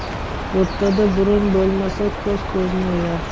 o'rtada burun bo'lmasa ko'z ko'zni o'yar